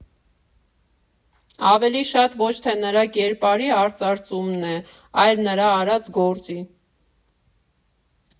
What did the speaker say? Ավելի շատ ոչ թե նրա կերպարի արծարծումն է, այլ նրա արած գործի։